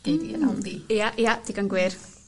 gei di yn Aldi. Ia ia digon gwir.